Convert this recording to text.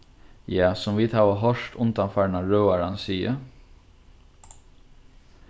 ja sum vit hava hoyrt undanfarna røðaran siga